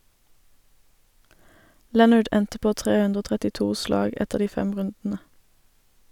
Leonard endte på 332 slag etter de fem rundene.